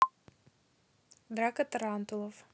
драка тарантулов